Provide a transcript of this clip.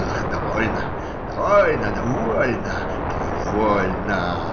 Ах, довольно, довольно, довольно.